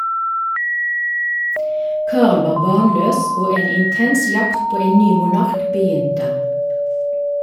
Karl var barnløs, og en intens jakt på en ny monark begynte.